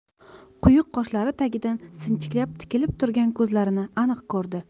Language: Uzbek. quyuq qoshlari tagidan sinchiklab tikilib turgan ko'zlarini aniq ko'rdi